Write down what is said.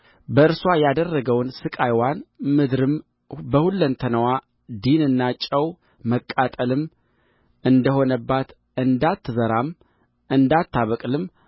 በእርስዋ ያደረገውን ሥቃይዋን ምድርም በሁለንተናዋ ዲንና ጨው መቃጠልም እንደ ሆነባት እንዳትዘራም እንዳታበቅልም